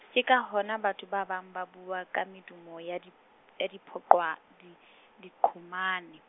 ke ka hona batho ba bang ba bua ka medumo ya di, ya di phoqwa, di, diqhomane.